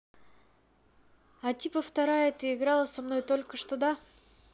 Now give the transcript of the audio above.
а типа вторая ты играла со мной только что да